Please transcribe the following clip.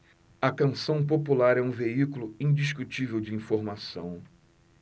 a canção popular é um veículo indiscutível de informação